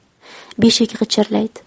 beshik g'ichirlaydi